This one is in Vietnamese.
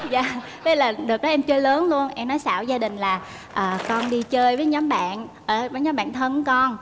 dả với là đợt đó em chơi lớn luôn em nói xảo gia đừn là à con đi chơi với nhóm bản nhóm bản thân của con